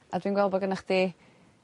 A dwi'n gweld bo' gynnach chdi